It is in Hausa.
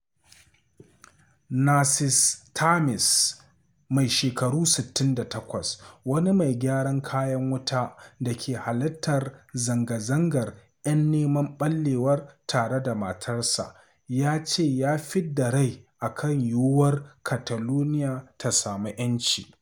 Narcis Termes, mai shekaru 68, wani mai gyaran kayan wuta da ke halartar zanga-zangar ‘yan neman ɓallewar tare da matarsa ya ce ya fidda rai akan yiwuwar Catalonia ta sami ‘yanci.